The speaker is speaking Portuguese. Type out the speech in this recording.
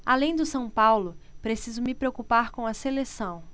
além do são paulo preciso me preocupar com a seleção